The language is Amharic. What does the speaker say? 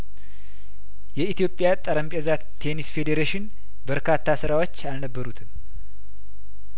የኢትዮጵያ ጠረምጴዛ ቴኒስ ፌዴሬሽን በርካታ ስራዎች አልነበሩትም